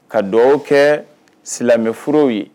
Ka dɔw kɛ silamɛforo ye